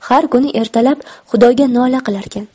har kuni ertalab xudoga nola qilarkan